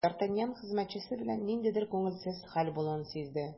Д’Артаньян хезмәтчесе белән ниндидер күңелсез хәл булуын сизде.